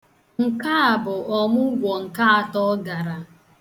Nkea bụ ọmụgwọ nke atọ ọ gara.